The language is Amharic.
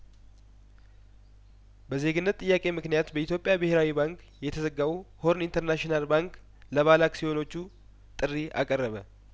በዜግነት ጥያቄምክንያት በኢትዮጵያ ብሄራዊ ባንክ የተዘጋው ሆርን ኢንተርናሽናል ባንክ ለባለአክሲዮኖቹ ጥሪ አቀረበ